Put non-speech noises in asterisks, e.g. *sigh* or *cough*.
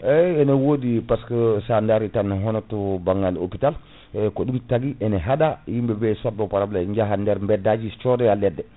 eyyi ene wodi par ce que sa dari tan hono to banggal hôpital *hesitation* ko ɗum tagui ene haaɗa yimɓeɓe so bo p* jaaha nder beddaji codoya leɗɗe